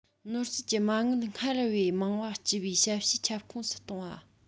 ནོར སྲིད ཀྱི མ དངུལ སྔར བས མང བ སྤྱི པའི ཞབས ཞུའི ཁྱབ ཁོངས སུ གཏོང བ